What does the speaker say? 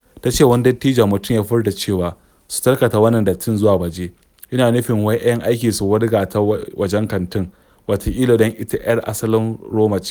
Ta ce wani dattijon mutum ya furta cewa "su tarkata wannan dattin zuwa waje", yana nufin wai 'yan aiki su wurga ta wajen kantin, wataƙila don ita 'yar asalin Roma ce.